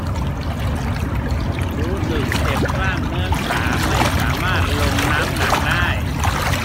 รู้สึกเจ็บกล้ามเนื้อขาไม่สามารถลงน้ำหนักได้